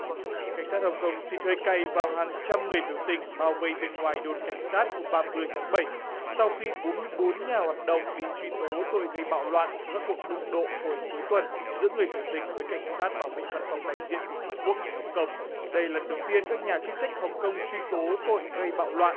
cảnh sát hồng công xịt hơi cay vào hàng trăm người biểu tình bao vây bên ngoài đồn cảnh sát hôm ba mươi tháng bảy sau khi bốn mươi bốn nhà hoạt động bị truy tố tội gây bạo loạn trong các cuộc đụng độ hồi cuối tuần giữa người biểu tình với cảnh sát bảo vệ văn phòng đại diện của trung quốc tại hồng công đây lần đầu tiên các nhà chức trách hồng công truy tố tội gây bạo loạn